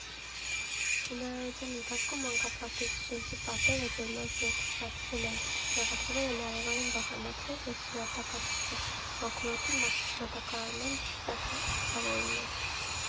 Շինարարության ընթացքում մանկապարտեզի շենքի պատերը ջերմամեկուսացվել են, տեղադրվել են արևային վահանակներ և ջրատաքացուցիչ, մաքուր օդի մատակարարման սարքավորումներ։